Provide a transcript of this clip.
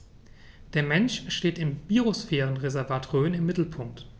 Der Mensch steht im Biosphärenreservat Rhön im Mittelpunkt.